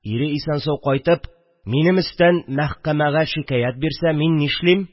Ире исән-сау кайтып минем өстән мәхкәмәгә шикәят бирсә, мин нишлим